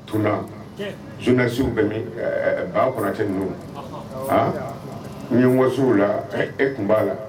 Tuma jsiww bɛ min ban kɔnɔtɛ n don aa n ye wasow la e tun b'a la